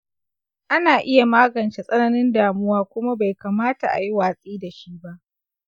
ana iya magance tsananin damuwa kuma bai kamata a yi watsi da shi ba.